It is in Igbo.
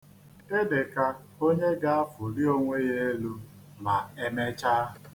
Ị dị ka onye ga-afụli onwe ya elu ma e mechaa.